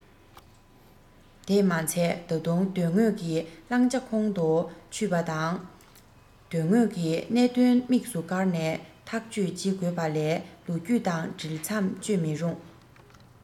དེས མ ཚད ད དུང དོན དངོས ཀྱི བླང བྱ ཁོང དུ ཆུད པ དང དོན དངོས ཀྱི གནད དོན དམིགས སུ བཀར ནས ཐག གཅོད བྱེད དགོས པ ལས ལོ རྒྱུས དང འབྲེལ མཚམས གཅོད མི རུང